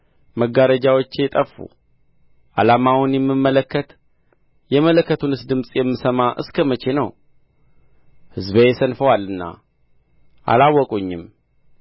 መጋረጃዎቼ ጠፉ ዓላማውን የምመለከት የመለከቱንስ ድምፅ የምሰማ እስከ መቼ ነው ሕዝቤ ሰንፈዋልና አላወቁኝም